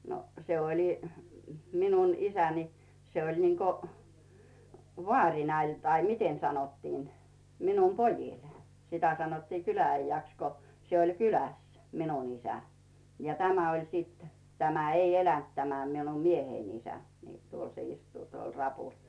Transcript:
no se oli minun isäni se oli niin kuin vaarina oli tai miten sanottiin minun pojilla sitä sanottiin kylä-äijäksi kun se oli kylässä minun isä ja tämä oli sitten tämä ei elänyt tämä minun mieheni isä niin tuolla se istuu tuolla rapulla